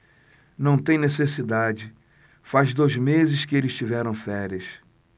não tem necessidade faz dois meses que eles tiveram férias